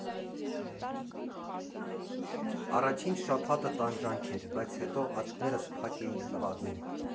Առաջին շաբաթը տանջանք էր, բայց հետո աչքերներս փակ էինք նվագում.